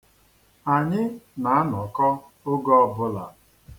Anyị na-anọkọ oge ọbụla.